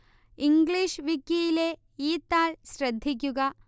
English വിക്കിയിലെ ഈ താൾ ശ്രദ്ധിക്കുക